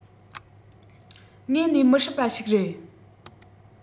དངོས ནས མི སྲིད པ ཞིག རེད